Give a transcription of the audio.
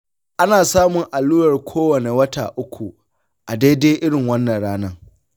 ana samun allurar kowane wata uku a daidai irin wannan ranan.